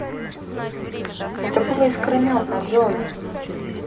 это было искрометно джой